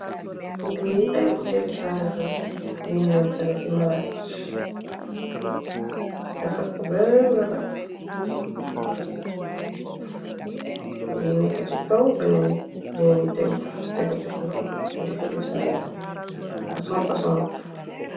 Lii ay botalisangara yun ransale ci maraaje defar ko bem refaet ngi nekk ci kaw bennn dina ni tego si suufay bu telli sangara fason fason nakk.